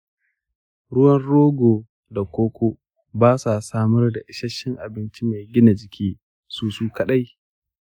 ruwan rogo da koko ba sa samar da isasshen abinci mai gina jiki su su kaɗai.